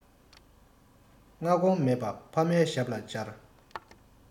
སྔ དགོང མེད པ ཕ མའི ཞབས ལ བཅར